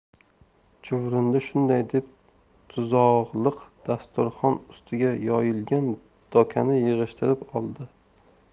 chuvrindi shunday deb tuzog'liq dasturxon ustiga yoyilgan dokani yig'ishtirib oldi